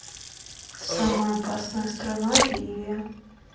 самая опасная страна ливия